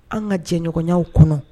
An ka jɛɲɔgɔnyaw kɔnɔ